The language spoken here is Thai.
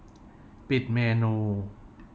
ปิดเมนู